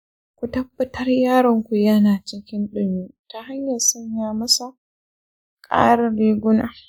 ku tabbatar yaronku yana cikin ɗumi ta hanyar sanya masa ƙarin riguna.